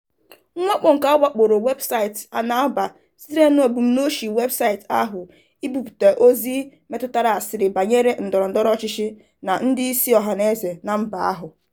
Mwakpo nke a wakporo webụsaịtị Anbaa sitere n'ebumnuche webụsaịtị ahụ ibipụta ozi metụtara asịrị banyere ndọrọndọrọ ọchịchị na ndị isi ọhanaeze na mba ahụ.